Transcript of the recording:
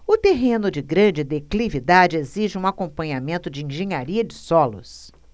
o terreno de grande declividade exige um acompanhamento de engenharia de solos